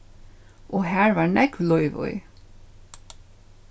og har var nógv lív í